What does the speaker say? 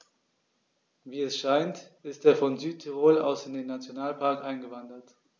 Wie es scheint, ist er von Südtirol aus in den Nationalpark eingewandert.